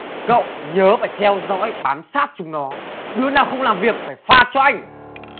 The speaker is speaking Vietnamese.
cậu nhớ phải theo dõi bám sát chúng nó đứa nào không làm việc phải phạt cho anh